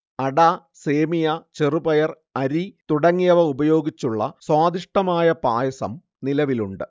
അട സേമിയ ചെറുപയർ അരി തുടങ്ങിയവ ഉപയോഗിച്ചുള്ള സ്വാദിഷ്ഠമായ പായസം നിലവിലുണ്ട്